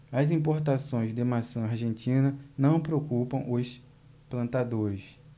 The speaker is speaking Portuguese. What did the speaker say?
as importações de maçã argentina não preocupam os plantadores